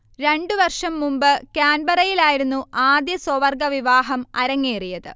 രണ്ടു വർഷം മുമ്പ് കാൻബറയിലായിരുന്നു ആദ്യ സ്വവർഗ വിവാഹം അരങ്ങേറിയത്